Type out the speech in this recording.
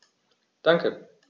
Danke.